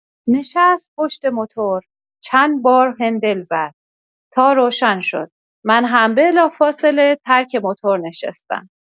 نشست پشت موتور، چند بار هندل زد تا روشن شد من هم بلافاصه ترک موتور نشستم.